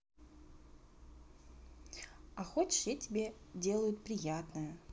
а хочешь я тебе делают приятное